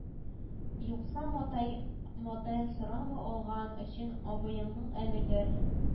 Юкса мата матаен сорамый алган өчен абыеңнан әләгер